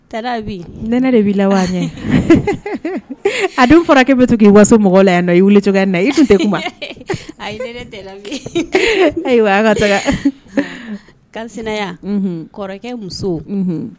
Ɛnɛ de bɛ la a furakɛ bɛ to k' i waso mɔgɔ la yan wili cogoya i se a kaya kɔrɔkɛ muso